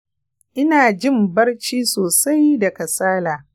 inajin barci sosai da kasala